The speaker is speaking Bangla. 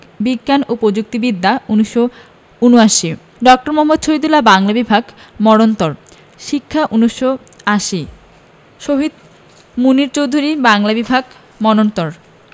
বিজ্ঞান ও প্রযুক্তি বিদ্যা ১৯৭৯ ড. মুহম্মদ শহীদুল্লাহ বাংলা বিভাগ মরণোত্তর শিক্ষা ১৯৮০ শহীদ মুনীর চৌধুরী বাংলা বিভাগ মরণোত্তর